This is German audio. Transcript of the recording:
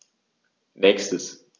Nächstes.